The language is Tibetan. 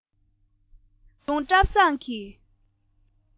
ཀི སྒྲ དང བུ ཆུང བཀྲ བཟང གི